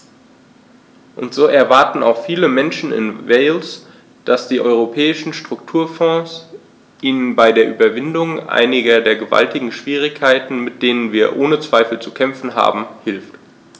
Und so erwarten auch viele Menschen in Wales, dass die Europäischen Strukturfonds ihnen bei der Überwindung einiger der gewaltigen Schwierigkeiten, mit denen wir ohne Zweifel zu kämpfen haben, hilft.